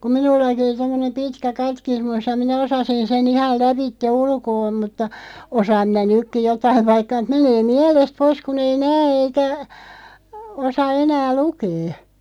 kun minullakin oli tuommoinen pitkä katekismus ja minä osasin sen ihan lävitse ulkoa mutta osaan minä nytkin jotakin vaikka menee mielestä pois kun ei näe eikä osaa enää lukea